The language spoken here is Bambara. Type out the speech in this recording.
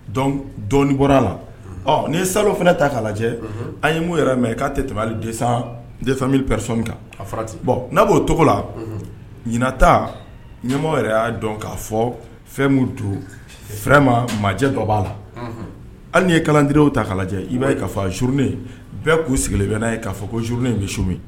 Dɔn dɔn bɔra la n'i ye salo fana ta k'a lajɛ an ye mun yɛrɛ mɛn k'a tɛ tɛmɛ de de pɛresɔn kan bɔn n'a b'o cogo la ɲɛnata ɲamɔgɔ yɛrɛ y'a dɔn k'a fɔ fɛn min don fɛ ma majɛ dɔ b'a la hali ye kalandiw ta k kala lajɛjɛ i b'a ka zuruurununinen bɛɛ k'u sigilen bɛ ye'a fɔ ko s zurununinen in bɛ su min